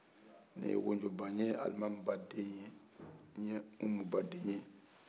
ne ye wodjo bah n ye alimami bah de ye n umu bah de ye